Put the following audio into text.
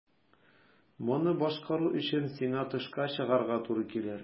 Моны башкару өчен сиңа тышка чыгарга туры килер.